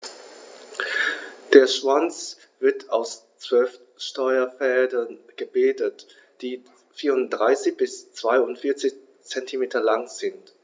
Der Schwanz wird aus 12 Steuerfedern gebildet, die 34 bis 42 cm lang sind.